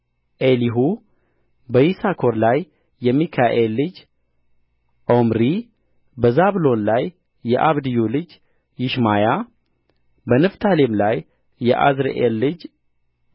ኤሊሁ በይሳኮር ላይ የሚካኤል ልጅ ዖምሪ በዛብሎን ላይ የአብድዩ ልጅ ይሽማያ በንፍታሌም ላይ የዓዝሪኤል ልጅ